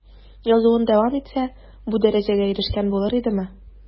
Язуын дәвам итсә, бу дәрәҗәгә ирешкән булыр идеме ул?